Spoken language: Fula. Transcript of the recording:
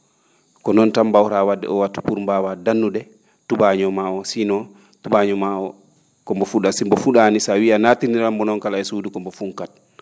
ko noon tan mbaawraa wa?de oo wattu pour mbaawaa da?nude tubaañoo maa oo sinon tubaañoo maa oo ko mbo fu?at si mbo fu?aani si a wiyii a nattinirat mbo noon kala e suudu ko mbo fu?kat